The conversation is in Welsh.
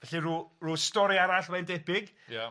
Felly r'w r'w stori arall mae'n debyg... Ia...